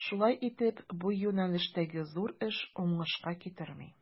Шулай итеп, бу юнәлештәге зур эш уңышка китерми.